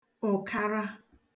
ụ̀karā